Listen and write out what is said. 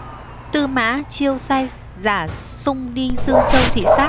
tư mã chiêu sai giả sung đi dương châu thị sát